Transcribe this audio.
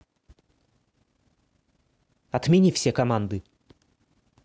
отмени все команды